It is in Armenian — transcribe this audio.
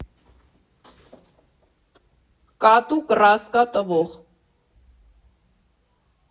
Կատու կռասկա տվող։